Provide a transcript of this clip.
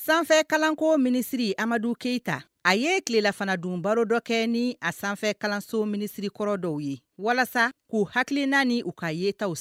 Sanfɛ kalanko minisiri Amadu Keyita a ye tilelafanadun baro dɔ kɛ ni a sanfɛ kalanso minisiri kɔrɔ dɔw ye walasa k'u hakilina ni u k ka yetaw s